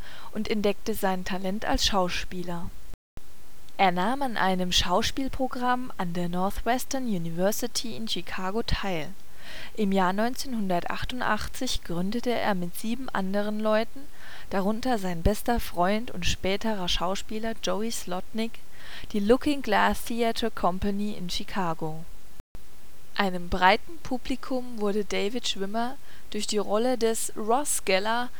entdeckte sein Talent als Schauspieler. Er nahm an einem Schauspielprogramm an der Northwestern University in Chicago teil. Im Jahr 1988 gründete er mit sieben anderen Leuten (darunter sein bester Freund und späterer Schauspieler Joey Slotnick) die Looking glass Theatre Company in Chicago. Einem breiten Publikum wurde David Schwimmer durch die Rolle des Ross Geller